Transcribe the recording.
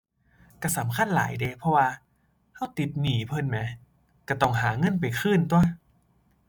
ก็สำคัญหลายเดะ เพราะว่าก็ติดหนี้เพิ่นแหม ก็ต้องหาเงินไปคืนตั่ว